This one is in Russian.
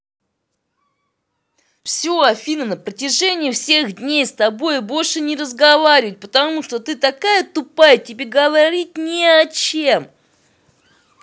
все афина на протяжении всех дней с тобой больше не разговаривать потому что ты такая тупая тебе говорить не о чем